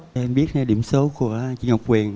em biếc nghe điểm số của chị ngọc huyền